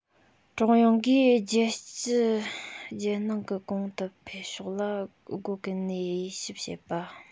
ཀྲུང དབྱང གིས རྒྱལ སྤྱི རྒྱལ ནང གི གོང དུ འཕེལ ཕྱོགས ལ སྒོ ཀུན ནས དབྱེ ཞིབ བྱེད པ